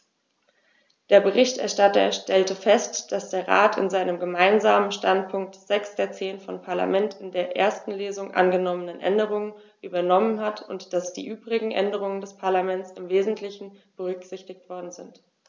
Der Berichterstatter stellte fest, dass der Rat in seinem Gemeinsamen Standpunkt sechs der zehn vom Parlament in der ersten Lesung angenommenen Änderungen übernommen hat und dass die übrigen Änderungen des Parlaments im wesentlichen berücksichtigt worden sind.